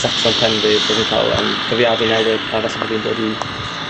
setlo yn pen fi bo' fi'n ca'l yym profiade newydd a falle bo' fi'n dod i